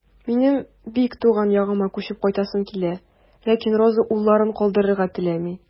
Минем бик туган ягыма күчеп кайтасым килә, ләкин Роза улларын калдырырга теләми.